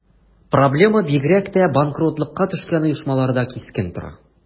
Проблема бигрәк тә банкротлыкка төшкән оешмаларда кискен тора.